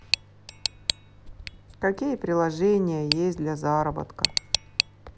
какие приложения есть для заработка